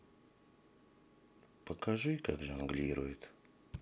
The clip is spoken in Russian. покажи как жонглируют